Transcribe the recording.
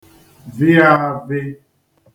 vịa āvị̄